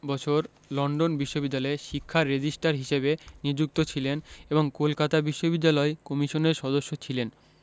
বছর লন্ডন বিশ্ববিদ্যালয়ের শিক্ষা রেজিস্ট্রার হিসেবে নিযুক্ত ছিলেন এবং কলকাতা বিশ্ববিদ্যালয় কমিশনের সদস্য ছিলেন